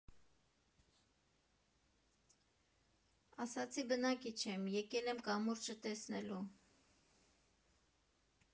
Ասացի՝ բնակիչ եմ, եկել եմ կամուրջը տեսնելու։